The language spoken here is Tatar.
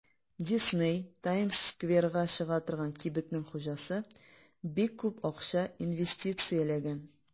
Дисней (Таймс-скверга чыга торган кибетнең хуҗасы) бик күп акча инвестицияләгән.